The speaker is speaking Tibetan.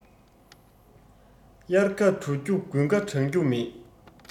དབྱར ཁ དྲོ རྒྱུ དགུན ཁ གྲང རྒྱུ མེད